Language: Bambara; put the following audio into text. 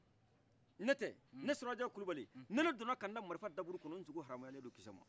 netɛ ne surakajɛkɛ kulubali ni ne donna kan dan marifa daburu kɔnɔ nsoko haramuyalendo kisɛma